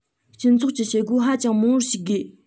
སྤྱི ཚོགས ཀྱི བྱེད སྒོ ཧ ཅང མང པོར ཞུགས དགོས